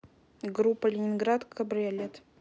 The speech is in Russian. группа ленинград кабриолет